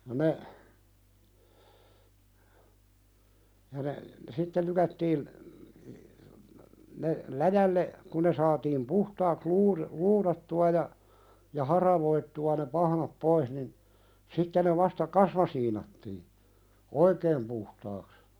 ja ne ja ne sitten lykättiin ne läjälle kun ne saatiin puhtaaksi - luudattua ja ja haravoitua ne pahnat pois niin sitten ne vasta kasmasiinattiin oikein puhtaaksi